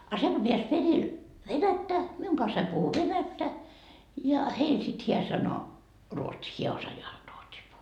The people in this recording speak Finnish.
a se kun pääsi perille venättä minun kanssani puhui venäjää ja heille sitten hän sanoi ruotsia hän osaa ruotsia -